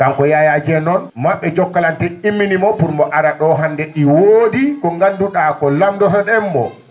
kanko Yaya Dieng noon ma??e Jokalante immini mbo pour mbo ara ?oo hannde ?i woodi ko nganndu?aa ko lamdoto?en mbo